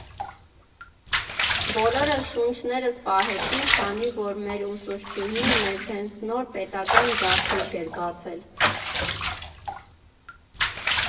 Բոլորս շունչներս պահեցինք, քանի որ մեր ուսուցչուհին մեզ հենց նոր պետական գաղտնիք էր բացել։